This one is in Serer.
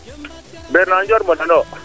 Bernard